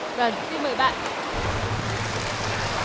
vầng xin mời bạn đây